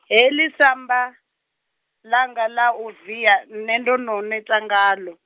heḽi samba, langa ḽa u via, nṋe ndo no neta ngaḽo.